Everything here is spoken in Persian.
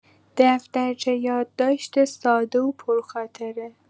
دفترچه یادداشت ساده و پرخاطره